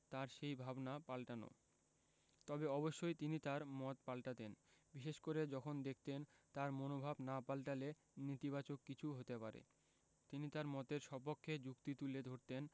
তাঁর সেই ভাবনা পাল্টানো তবে অবশ্যই তিনি তাঁর মত পাল্টাতেন বিশেষ করে যখন দেখতেন তাঁর মনোভাব না পাল্টালে নেতিবাচক কিছু হতে পারে তিনি তাঁর মতের সপক্ষে যুক্তি তুলে ধরতেন